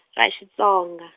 ra i Xitsonga.